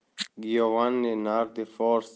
giovanni nardi for